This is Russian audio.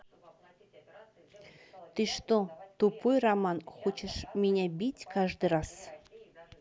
ты что тупой рома хочет меня бить каждый раз